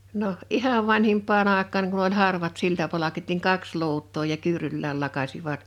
no ihan vanhimpaan aikaan kun oli harvat siltapalkit niin kaksi luutaa ja kyyryllään lakaisivat